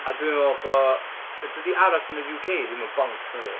A dwi'n meddwl bod... D- dydi aros yn y UK ddim yn bonks nadi.